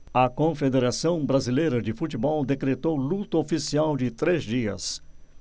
a confederação brasileira de futebol decretou luto oficial de três dias